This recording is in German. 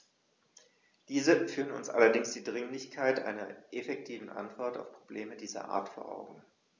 Diese führen uns allerdings die Dringlichkeit einer effektiven Antwort auf Probleme dieser Art vor Augen.